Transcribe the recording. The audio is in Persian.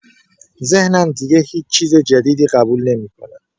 ذهنم دیگه هیچ‌چیز جدیدی قبول نمی‌کنه